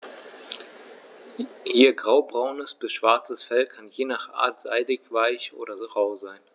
Ihr graubraunes bis schwarzes Fell kann je nach Art seidig-weich oder rau sein.